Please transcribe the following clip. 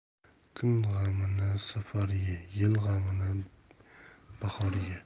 kun g'amini sahar ye yil g'amini bahor ye